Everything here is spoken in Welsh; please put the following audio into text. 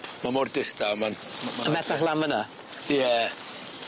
Ma' mor distaw ma'n ma' ma'n... Ymhellach lan fyn 'na? Ie.